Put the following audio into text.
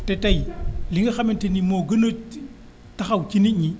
te tey ñi nga xamante ni ñoo gën a taxaw ci nit ñi